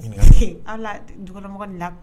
Ala dugumɔgɔ la